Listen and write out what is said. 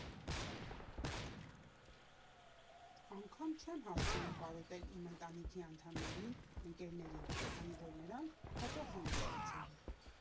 Անգամ չեմ հասցնում կարոտել իմ ընտանիքի անդամներին, ընկերներին, քանի որ նրանք հաճախ են մեզ այցելում։